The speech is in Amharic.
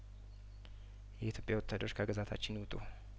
የኢትዮጵያ ወታደሮች ከግዛታችን ይውጡ